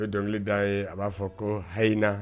Ye dɔnkili da ye a b'a fɔ ko hayiina